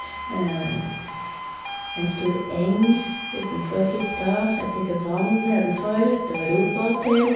En stor eng utenfor hytta, et lite vann nedenfor, det var robåt til.